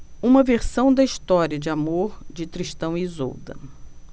uma versão da história de amor de tristão e isolda